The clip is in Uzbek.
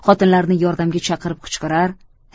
xotinlarni yordamga chaqirib qichqirar